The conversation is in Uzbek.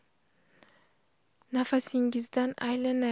nafasingizdan aylanay